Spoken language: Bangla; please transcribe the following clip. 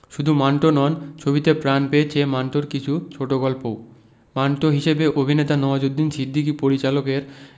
শুধু মান্টো নন ছবিতে প্রাণ পেয়েছে মান্টোর কিছু ছোটগল্পও মান্টো হিসেবে অভিনেতা নওয়াজুদ্দিন সিদ্দিকী পরিচালকের